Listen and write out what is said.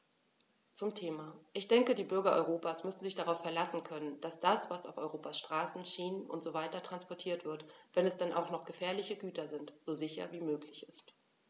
Zum Thema: Ich denke, die Bürger Europas müssen sich darauf verlassen können, dass das, was auf Europas Straßen, Schienen usw. transportiert wird, wenn es denn auch noch gefährliche Güter sind, so sicher wie möglich ist.